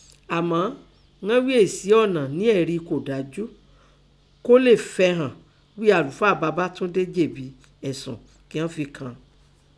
Àmọ́ ighan ghíi éè sí ọni ní èrí kọ́ dájú kọ́ lè fẹhàn ghíi àlùfáà Babátúndé jèbi ẹ̀sùn kí ighan fi kàn án.